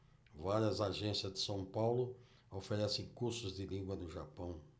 várias agências de são paulo oferecem cursos de língua no japão